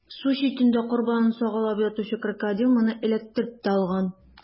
Су читендә корбанын сагалап ятучы Крокодил моны эләктереп тә алган.